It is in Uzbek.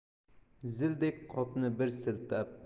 zildek qopni bir siltab